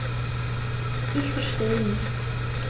Ich verstehe nicht.